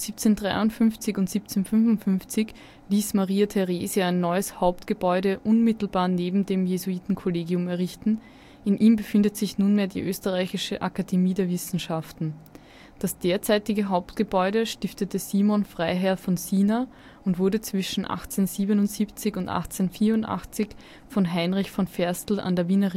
1753 / 55 ließ Maria Theresia ein neues Hauptgebäude unmittelbar neben dem Jesuitenkollegium errichten, in ihm befindet sich nunmehr die Österreichische Akademie der Wissenschaften. Das derzeitige Hauptgebäude stiftete Simon Freiherr von Sina und wurde zwischen 1877 und 1884 von Heinrich von Ferstel an der Wiener